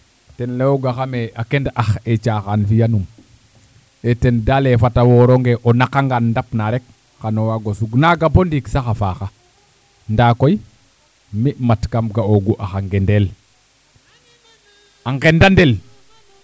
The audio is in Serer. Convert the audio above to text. ten layoongaxam ee a kend ax ee caaxaan fi'anum ee ten daal e fat ta wooronge o naqanga ndap na rek xan o waag o sug naaga bo ndiik sax a faaxa ndaa koy mi mat kam ga'oogu axa nqendeel a nqendandel